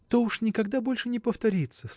то уж никогда больше не повторится!